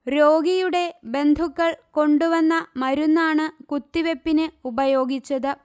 രോഗിയുടെ ബന്ധുക്കൾ കൊണ്ടുവന്ന മരുന്നാണ് കുത്തിവെപ്പിന് ഉപയോഗിച്ചത്